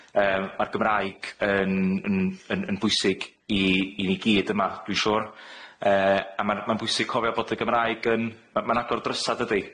Yym ma'r Gymraeg yn yn yn yn bwysig i i ni gyd yma dwi'n siŵr, yy a ma'r ma'n bwysig cofio bod y Gymraeg yn- ma' ma'n agor drysa', dydi?